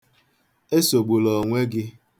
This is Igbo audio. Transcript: Esogbula onwe gị.